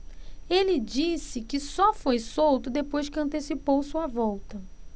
ele disse que só foi solto depois que antecipou sua volta